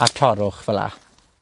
a torrwch fel 'a.